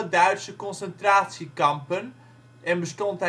Duitse concentratiekampen en bestond